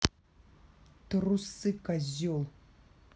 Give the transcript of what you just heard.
трусы козел